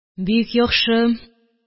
Бик яхшы